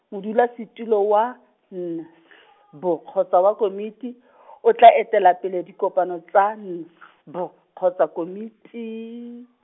modulasetulo wa, N S B kgotsa wa komiti , o tla etelapele dikopano tsa N S B, kgotsa komiti.